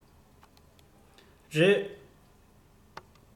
རེད